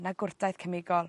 na gwrtaeth cemigol.